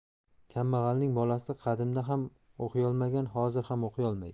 kambag'alning bolasi qadimda ham o'qiyolmagan hozir ham o'qiyolmaydi